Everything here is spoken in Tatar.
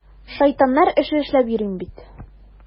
Шайтаннар эше эшләп йөрим бит!